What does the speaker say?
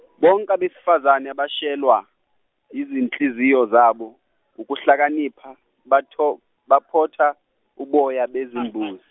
bonke abesifazane abatshelwa, yizinhliziyo zabo, ukuhlakanipha, baphotha uboya bezimbuzi .